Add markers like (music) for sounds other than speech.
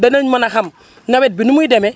danañ mën a xam (breath) nawet bi numuy demee